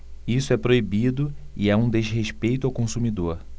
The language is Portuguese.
isso é proibido e é um desrespeito ao consumidor